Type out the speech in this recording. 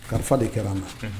Kali de kɛra an na, unhun